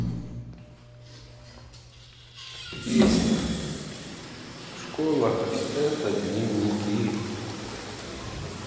песня школа это дневники